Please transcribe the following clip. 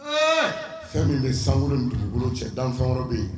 Fɛn min bɛ saŋolo ni dugukolo cɛ dan fɛn wɛrɛ bɛ ye